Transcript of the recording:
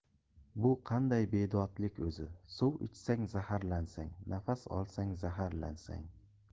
bu qanday bedodlik o'zi suv ichsang zaharlansang nafas olsang zaharlansang